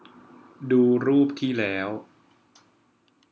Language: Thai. ดูรูปที่แล้ว